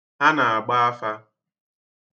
Ha na-agba afa.